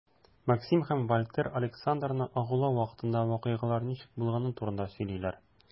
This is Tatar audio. Максим һәм Вальтер Александрны агулау вакытында вакыйгалар ничек булганы турында сөйлиләр.